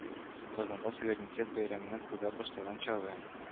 Казанда суверенитет бәйрәменең кыза башлаган чагы